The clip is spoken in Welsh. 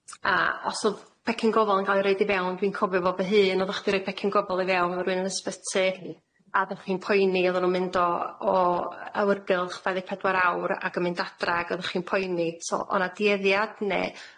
A os odd pecyn gofal yn ga'l i roid i fewn dwi'n cofio bo' fy hyn oddach chdi roid becyn gofal i fewn efo rywun yn ysbyty a o'ddach chi'n poeni oddan nw'n mynd o- o awyrgylch dau ddeg pedwar awr ag yn mynd adra ag o'ddach chi'n poeni so o'na dueddiad ne' odd